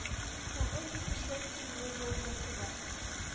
Тагын җитмешләп финны юк итәсе бар